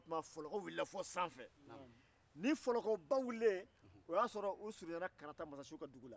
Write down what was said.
o tuma o y'a sɔrɔ u surunyana karata masasiw ka dugu la